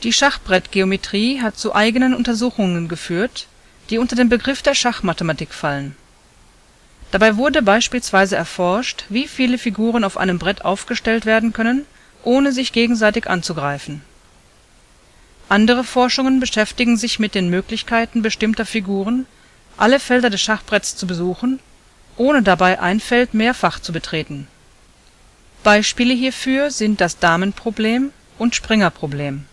Schachbrettgeometrie hat zu eigenen Untersuchungen geführt, die unter den Begriff der Schachmathematik fallen. Dabei wurde beispielsweise erforscht, wie viele Figuren auf einem Brett aufgestellt werden können, ohne sich gegenseitig anzugreifen. Andere Forschungen beschäftigten sich mit den Möglichkeiten bestimmter Figuren, alle Felder des Schachbretts zu besuchen, ohne dabei ein Feld mehrfach zu betreten. Beispiele hierfür sind das Damenproblem und Springerproblem